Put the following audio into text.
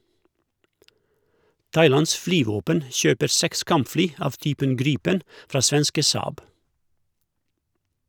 Thailands flyvåpen kjøper seks kampfly av typen Gripen fra svenske Saab.